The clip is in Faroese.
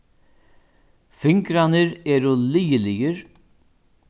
fingrarnir eru liðiligir